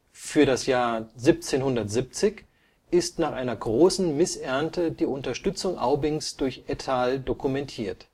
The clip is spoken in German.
Für 1770 ist nach einer großen Missernte die Unterstützung Aubings durch Ettal dokumentiert